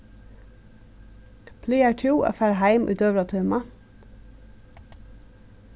plagar tú at fara heim í døgurðatíma